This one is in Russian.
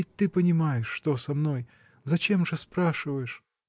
ведь ты понимаешь, что со мной, — зачем же спрашиваешь?